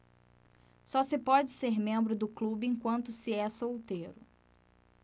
só se pode ser membro do clube enquanto se é solteiro